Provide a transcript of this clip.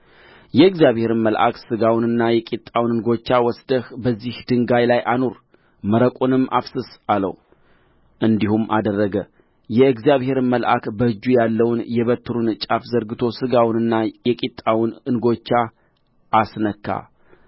የእግዚአብሔርም መልአክ ሥጋውንና የቂጣውን እንጎቻ ወስደህ በዚህ ድንጋይ ላይ አኑር መረቁንም አፍስስ አለው እንዲሁም አደረገ የእግዚአብሔርም መልአክ በእጁ ያለውን የበትሩን ጫፍ ዘርግቶ ሥጋውንና የቂጣውን እንጎቻ አስነካ